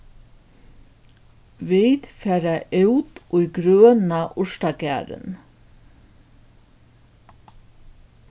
vit fara út í grøna urtagarðin